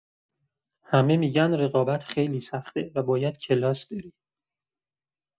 همه می‌گن رقابت خیلی سخته و باید کلاس بری.